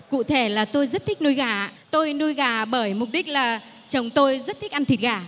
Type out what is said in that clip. cụ thể là tôi rất thích nuôi gà ạ tôi nuôi gà bởi mục đích là chồng tôi rất thích ăn thịt gà